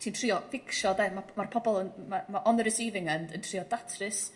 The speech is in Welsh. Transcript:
Ti'n trio ficsio 'de ma' ma'r pobol yn ma' ma' on the receiving end yn trio datrys.